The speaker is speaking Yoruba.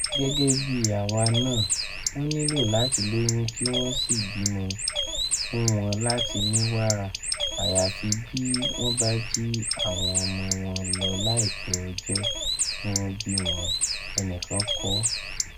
Gẹgẹbi awa naa wọn nilo lati loyun ki wọn si bimọ fun wọn lati ni wara, ayafi bi wọn ba ji awọn ọmọ wọn lọ laipẹ ọjọ ti wọn bi wọn,”ẹnikan kọ.